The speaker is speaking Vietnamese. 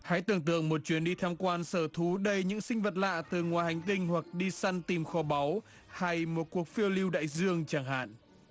hãy tưởng tượng một chuyến đi tham quan sở thú đầy những sinh vật lạ từ ngoài hành tinh hoặc đi săn tìm kho báu hay một cuộc phiêu lưu đại dương chẳng hạn